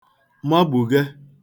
magbùge